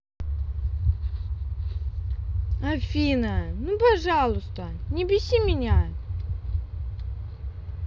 афина ну пожалуйста не беси меня